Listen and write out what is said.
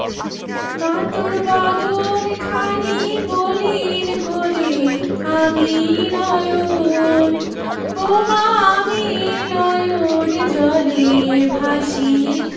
মা তোর বদন খানি মলিন হলে আমি নয়ন ওমা আমি নয়ন জলে ভাসি